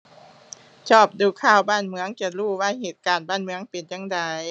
ชอบดูข่าวบ้านเมือง จะรู้ว่าเหตุการณ์บ้านเมืองเป็นจั่งใด